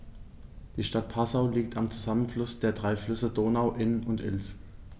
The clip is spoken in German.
Die Stadt Passau liegt am Zusammenfluss der drei Flüsse Donau, Inn und Ilz.